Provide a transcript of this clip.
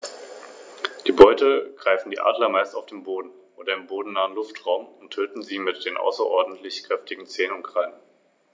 Das eigentliche Rückgrat der Verwaltung bildeten allerdings die Städte des Imperiums, die als halbautonome Bürgergemeinden organisiert waren und insbesondere für die Steuererhebung zuständig waren.